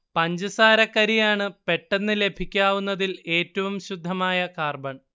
പഞ്ചസാരക്കരിയാണ് പെട്ടെന്ന് ലഭിക്കാവുന്നതിൽ ഏറ്റവും ശുദ്ധമായ കാർബൺ